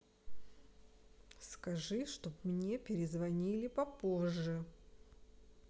скажи чтоб мне перезвонили попозже